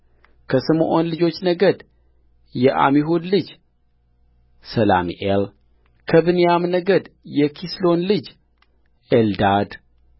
ከስምዖን ልጆች ነገድ የዓሚሁድ ልጅ ሰላሚኤልከብንያም ነገድ የኪስሎን ልጅ ኤልዳድ